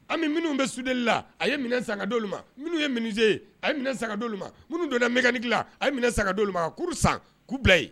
Ami minnu bɛ soudure la a ye minɛn san ka di olu ma minnu ye menuisier ye a ye minɛ san ka di olu ma minnu donna mécanique la a ye minɛ san ka di olu ma ka cour san k'u bila yen.